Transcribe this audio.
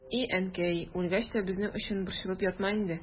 И әнкәй, үлгәч тә безнең өчен борчылып ятма инде.